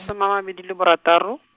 soma a mabedi le borataro.